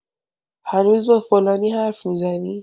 هنوز با فلانی حرف می‌زنی؟